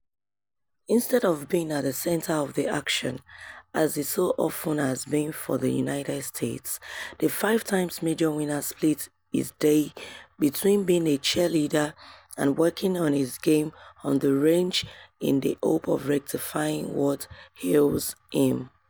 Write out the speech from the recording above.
Instead of being at the center of the action, as he so often has been for the United States, the five-times major winner split his day between being a cheerleader and working on his game on the range in the hope of rectifying what ails him.